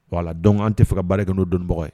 Wala dɔn an tɛ fɛ ka baara kɛ n'o donbagaw ye